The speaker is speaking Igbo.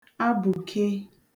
abụ̀ke